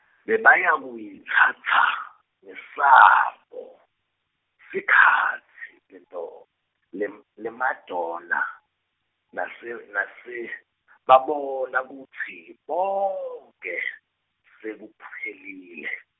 bebayakuyitsatsa, ngesabo, sikhatsi, tento, leM- leMadonna, nase- nasebabona kutsi, konkhe, sekuphelile.